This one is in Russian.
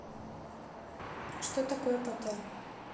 что такое паттерн